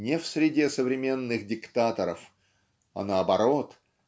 не в среде современных диктаторов а наоборот